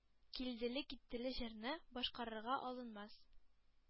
Килделе-киттеле җырны башкарырга алынмас!